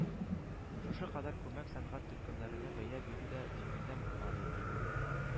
Шушы кадәр күмәк сәнгать төркемнәренә бәя бирү дә җиңелдән булмады, билгеле